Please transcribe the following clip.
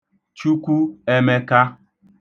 Chukwu emeka.